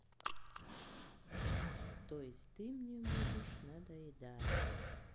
то есть ты мне будешь надоедать